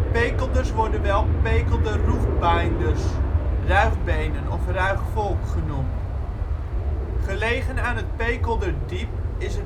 Pekelders worden wel " Pekelder Roegbaainders " (ruigbenen, ruig volk) genoemd. Gelegen aan het Pekelderdiep is